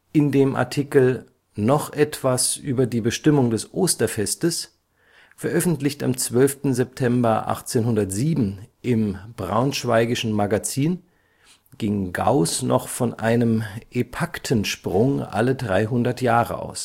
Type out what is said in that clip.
In dem Artikel Noch etwas über die Bestimmung des Osterfestes, veröffentlicht am 12. September 1807 im Braunschweigischen Magazin, ging Gauß noch von einem Epaktensprung alle 300 Jahre aus